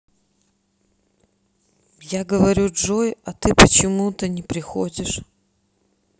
я говорю джой а ты почему то не приходишь